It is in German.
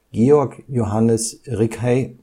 Georg Johannes Rickhey